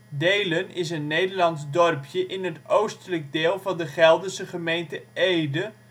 Deelen is een Nederlands dorpje in het oostelijk deel van de Gelderse gemeente Ede